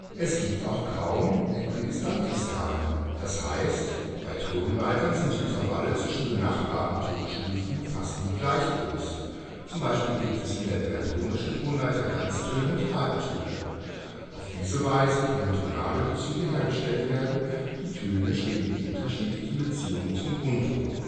Es gibt auch kaum äquidistante Skalen, d.h., bei Tonleitern sind die Intervalle zwischen benachbarten Tonstufen fast nie gleich groß, z.B. gibt es in der diatonischen Tonleiter Ganztöne und Halbtöne. Auf diese Weise können tonale Bezüge hergestellt werden, die Töne stehen in unterschiedlichen Beziehungen zum Grundton